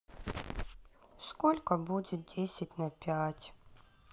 сколько будет десять на пять